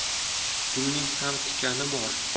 gulning ham tikani bor